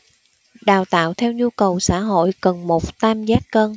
đào tạo theo nhu cầu xã hội cần một tam giác cân